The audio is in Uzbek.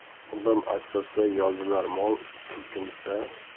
odam aksirsa yozilar mol silkinsa